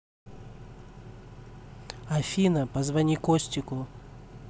афина позвони костику